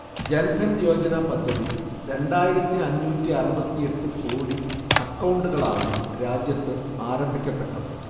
ജൻധൻയോജന പദ്ധതി രണ്ടായിരത്തി അഞ്ഞൂറ്റി അറുപത്തിയെട്ട് കോടി അക്കൗണ്ടുകളാണ് രാജ്യത്ത് ആരംഭിക്കപ്പെട്ടത്